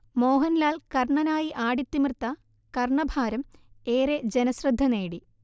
മോഹൻലാൽ കർണനായി ആടിത്തിമിർത്ത കർണഭാരം ഏറെ ജനശ്രദ്ധ നേടി